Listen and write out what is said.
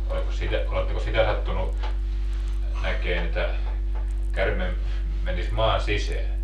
olikos sitä oletteko sitä sattunut näkemään että käärme menisi maan sisään